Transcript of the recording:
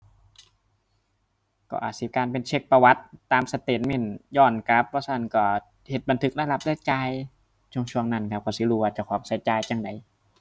ก็อาจสิการเป็นเช็กประวัติตามสเตตเมนต์ย้อนกลับบ่ซั้นก็เฮ็ดบันทึกรายรับรายจ่ายช่วงช่วงนั้นครับก็สิรู้ว่าเจ้าของก็จ่ายจั่งใด